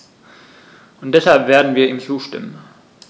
Und deshalb werden wir ihm zustimmen.